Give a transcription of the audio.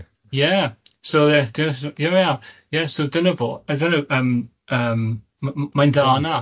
Ie so ie ie ie so dyna fo yy dyna yym yym m- m- mae'n dda yna.